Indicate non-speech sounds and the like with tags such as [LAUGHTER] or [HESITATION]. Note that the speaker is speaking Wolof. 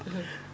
[HESITATION] [HESITATION]